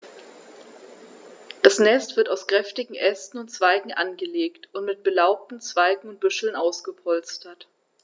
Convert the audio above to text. Das Nest wird aus kräftigen Ästen und Zweigen angelegt und mit belaubten Zweigen und Büscheln ausgepolstert.